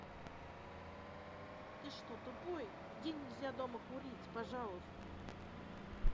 ты что тупой где нельзя дома курить пожалуйста